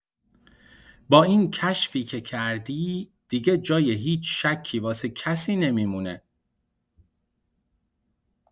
با این کشفی که کردی، دیگه جای هیچ شکی واسه کسی نمی‌مونه.